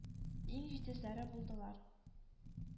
Иң җитезләре булдылар.